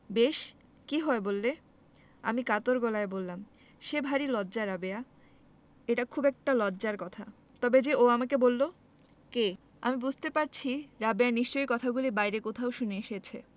বেশ কি হয় বললে আমি কাতর গলায় বললাম সে ভারী লজ্জা রাবেয়া এটা খুব একটা লজ্জার কথা তবে যে ও আমাকে বললো কে আমি বুঝতে পারছি রাবেয়া নিশ্চয়ই কথাগুলি বাইরে কোথাও শুনে এসেছে